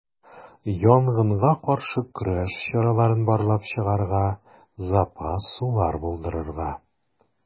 Янгынга каршы көрәш чараларын барлап чыгарга, запас сулар булдырырга.